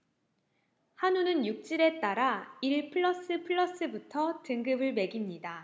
한우는 육질에 따라 일 플러스 플러스부터 등급을 매깁니다